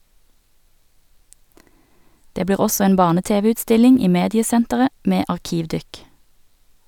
Det blir også en Barne-TV-utstilling i Mediesenteret med arkivdykk.